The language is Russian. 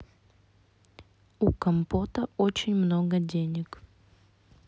у компота очень много денег